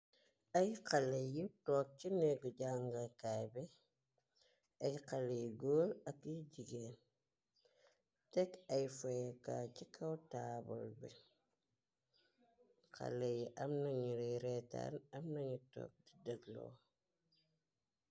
Ay xalé yi tog ci néggu jàngakaay bi ay xalé yi góor ak yu jigéen teg ay foéka ci kaw taabal bi xalé yi am nanu réétaan am nanu toog di dëglo.